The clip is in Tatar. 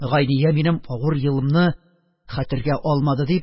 Гайния минем авыр елымны хәтергә алмады...-дип